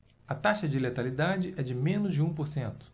a taxa de letalidade é de menos de um por cento